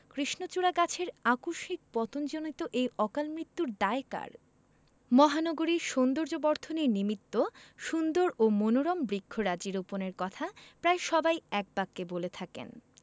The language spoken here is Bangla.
কৃষ্ণচূড়া গাছের আকস্মিক পতনজনিত এই অকালমৃত্যুর দায় কার মহানগরীর সৌন্দর্যবর্ধনের নিমিত্ত সুন্দর ও মনোরম বৃক্ষরাজি রোপণের কথা প্রায় সবাই একবাক্যে বলে থাকেন